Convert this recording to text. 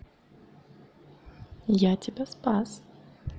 я тебя спас